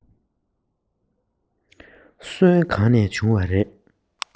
སོན གང ནས བྱུང བ རེད